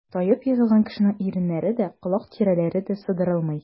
Таеп егылган кешенең иреннәре дә, колак тирәләре дә сыдырылмый.